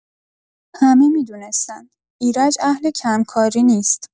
همه می‌دونستن ایرج اهل کم‌کاری نیست.